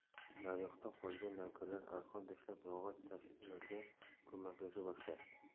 naryoqda qolgan navkarlar arqon tashlab yog'och tashib ularga ko'maklasha boshlashdi